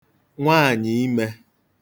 nwaànya imē